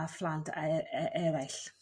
a a phlant e- eraill.